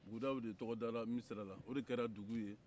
buguda o de tɔgɔ dara misira la o de kɛra dugu ye